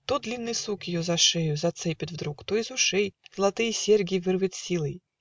То длинный сук ее за шею Зацепит вдруг, то из ушей Златые серьги вырвет силой